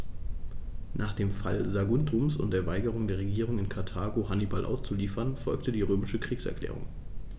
Nach dem Fall Saguntums und der Weigerung der Regierung in Karthago, Hannibal auszuliefern, folgte die römische Kriegserklärung.